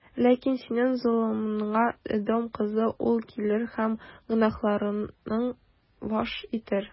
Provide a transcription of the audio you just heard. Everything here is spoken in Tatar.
Ләкин синең золымыңа, Эдом кызы, ул килер һәм гөнаһларыңны фаш итәр.